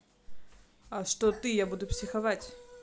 а что ты я буду психовать